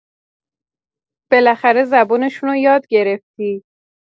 بالاخره زبونشونو یاد گرفتی.